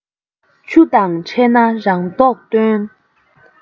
ཆུ དང ཕྲད ན རང མདོག སྟོན